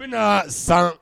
N bɛna san